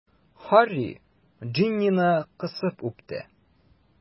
Һарри Джиннины кысып үпте.